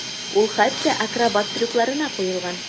Ул хәтта акробат трюкларына куелган.